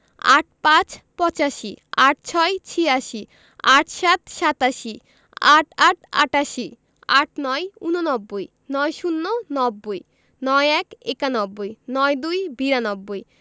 ৮৫ – পঁচাশি ৮৬ – ছিয়াশি ৮৭ – সাতাশি ৮৮ – আটাশি ৮৯ – ঊননব্বই ৯০ - নব্বই ৯১ - একানব্বই ৯২ - বিরানব্বই